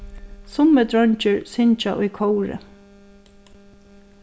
summir dreingir syngja í kóri